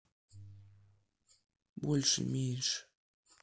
больше меньше